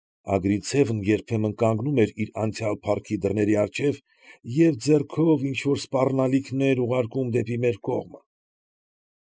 Ագրինցևն երբեմն կանգնում էր իր անցյալ փառքի դռների առջև և ճեղքով ինչ֊որ սպառնալիքներ ուղարկում դեպի մեր կողմը։